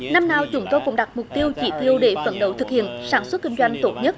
năm nào chúng tôi cũng đặt mục tiêu chỉ tiêu để phấn đấu thực hiện sản xuất kinh doanh tốt nhất